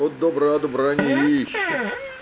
От добра добра не ищут.